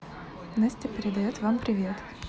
настя передает вам привет